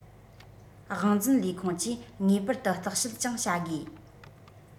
དབང འཛིན ལས ཁུངས ཀྱིས ངེས པར དུ བརྟག དཔྱད ཀྱང བྱ དགོས